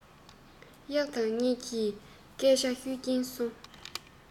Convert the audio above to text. ཡག དང ཉེས ཀྱི སྐད ཆ ཤོད ཀྱིན སོང